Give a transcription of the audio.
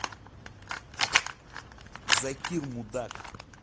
закир мудак